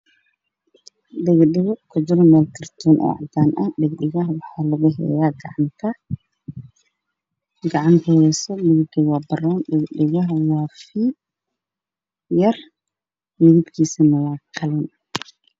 Waxaa ii muuqda kartaan midadkiisa iyo cadaan waxaa ku dhagan katin ama daiman dhiga ah